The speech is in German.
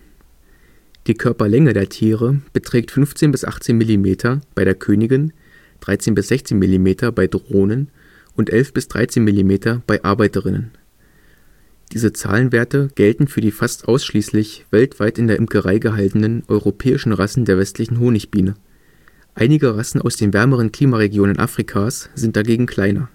Die Körperlänge der Tiere beträgt 15 bis 18 Millimeter bei der Königin, 13 bis 16 Millimeter bei Drohnen und 11 bis 13 Millimeter bei Arbeiterinnen. Diese Zahlenwerte gelten für die fast ausschließlich weltweit in der Imkerei gehaltenen europäischen Rassen der Westlichen Honigbiene, einige Rassen aus den wärmeren Klimaregionen Afrikas sind dagegen kleiner